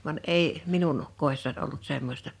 vaan ei minun kodissani ollut semmoista